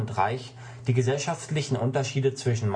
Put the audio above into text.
Reich, die gesellschaftlichen Unterschiede zwischen